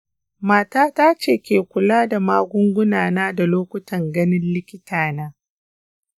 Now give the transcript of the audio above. matata ce ke kula da magungunana da lokutan ganin likitana.